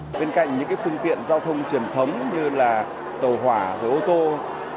bên cạnh những phương tiện giao thông truyền thống như là tàu hỏa với ô tô